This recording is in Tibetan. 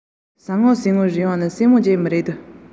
ཉི འོད ནང དུ ཐལ རྡུལ གྱི